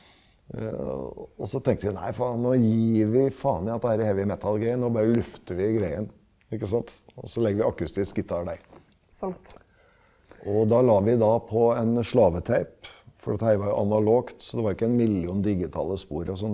også tenkte jeg nei faen nå gir vi faen i dette herre heavy metal greiene og bare lufter vi greien ikke sant, og så legger vi akustisk gitar der, og da la vi da på en slavetape, for dette her var jo analogt, så det var ikke en million digitale spor og sånn.